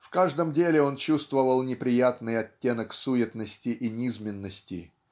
В каждом деле он чувствовал неприятный оттенок суетности и низменности